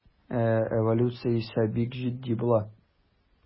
Ә эволюция исә бик җитди була.